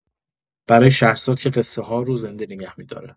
برای شهرزاد، که قصه‌ها رو زنده نگه می‌داره.